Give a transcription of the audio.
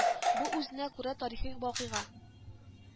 Бу үзенә күрә тарихи вакыйга